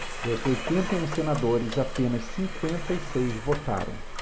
dos oitenta e um senadores apenas cinquenta e seis votaram